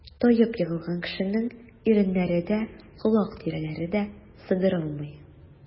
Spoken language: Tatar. Таеп егылган кешенең иреннәре дә, колак тирәләре дә сыдырылмый.